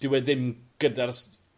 dyw e ddim gyda'r s- s-